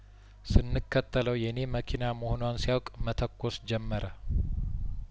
ስን ከተለው የኔ መኪና መሆኗን ሲያውቅ መተኮስ ጀመረ